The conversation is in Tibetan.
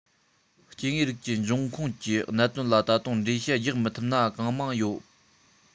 སྐྱེ དངོས རིགས ཀྱི འབྱུང ཁུངས ཀྱི གནད དོན ལ ད དུང འགྲེལ བཤད རྒྱག མི ཐུབ ན གང མང ཡོད པར